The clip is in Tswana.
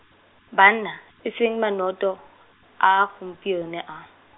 banna, e seng manoto, a gompieno a.